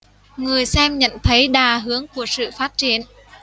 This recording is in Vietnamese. người xem nhận thấy đà hướng của sự phát triển